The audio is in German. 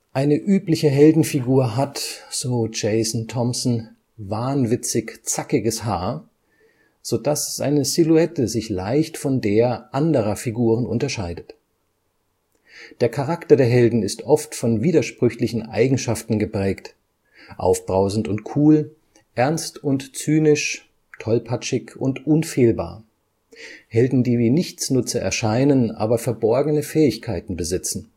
Eine übliche Heldenfigur hat, so Jason Thompson, „ wahnwitzig zackiges Haar “, sodass seine Silhouette sich leicht von der anderer Figuren unterscheidet. Der Charakter der Helden ist oft von widersprüchlichen Eigenschaften geprägt: aufbrausend und cool, ernst und zynisch, tollpatschig und unfehlbar – Helden, die wie Nichtsnutze erscheinen, aber verborgene Fähigkeiten besitzen